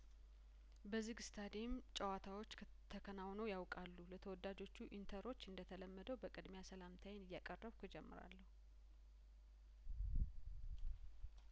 በዝግ ስታዲየም ጨዋታዎች ከተከናውነው ያውቃሉ ለተወዳጆቹ ኢን ተሮች እንደተለመደው በቅድሚያ ሰላምታዬን እያቀረብኩ እጀምራለሁ